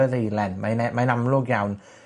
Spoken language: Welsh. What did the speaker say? y ddeilen. Mae e'n e- mae' amlwg iawn.